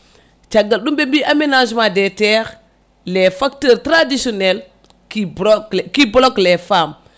caggal ɗum ɓe mbi aménagement des terres les facteurs traditionnel qui broq qui bloque les femmes